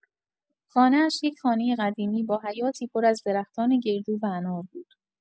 خانه‌اش یک خانۀ قدیمی با حیاطی پر از درختان گردو و انار بود.